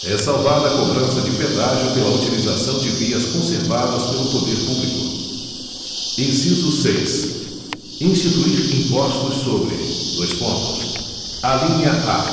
ressalvada a cobrança de pedágio pela utilização de vias conservadas pelo poder público inciso seis instituir impostos sobre dois pontos alínea a